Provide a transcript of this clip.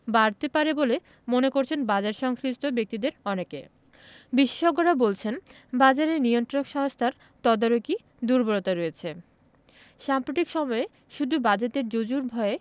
বাড়তে পারে বলে মনে করছেন বাজারসংশ্লিষ্ট ব্যক্তিদের অনেকে বিশেষজ্ঞরা বলছেন বাজারে নিয়ন্ত্রক সংস্থার তদারকি দুর্বলতা রয়েছে সাম্প্রতিক সময়ে শুধু বাজেটের জুজুর ভয়ে